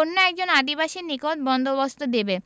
অন্য একজন আদিবাসীর নিকট বন্দোবস্ত দেবে